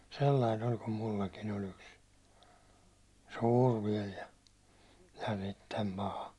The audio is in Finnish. sellainen oli kun minullakin oli yksi suuri vielä ja ja sitten paha